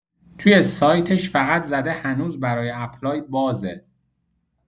توی سایتش فقط زده هنوز برای اپلای بازه